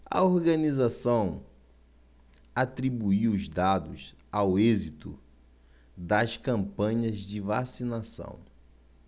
a organização atribuiu os dados ao êxito das campanhas de vacinação